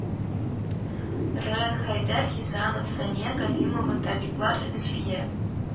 Ры хәйдәр хисанов, сания галимова, табиблар зөлфия